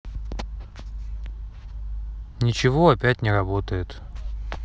ничего опять не работает